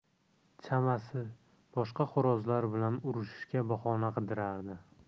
chamasi boshqa xo'rozlar bilan urishishga bahona qidirardi